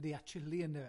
Yndi, a chilli ynddo fe.